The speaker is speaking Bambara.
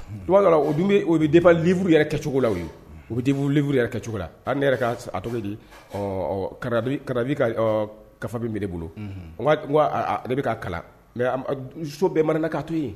Dug dɔ o o bɛ difa liuru yɛrɛ kɛcogo la ye u bɛ di uru yɛrɛ kɛcogo la ne yɛrɛ kato di ɔ karabi ka kafa bɛb bolo ne bɛ ka kalan so bɛɛmana ka to yen